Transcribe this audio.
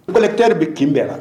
Kɛlɛlɛ bɛ kinbɛn la